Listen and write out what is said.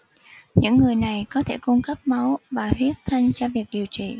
những người này có thể cung cấp máu và huyết thanh cho việc điều trị